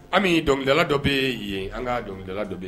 Ami dɔnkilidala dɔ bɛ yen an ka dɔnkilidala dɔ bɛ yen